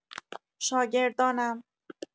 شاگردانم